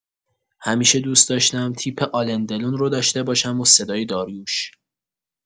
همیشه دوس داشتم تیپ آلن دلون رو داشته باشم و صدای داریوش!